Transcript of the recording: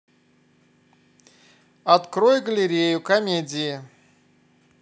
открой галерею комедии